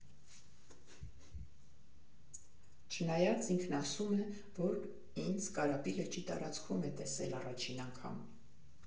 Չնայած ինքն ասում է, որ ինձ Կարապի լճի տարածքում է տեսել առաջին անգամ։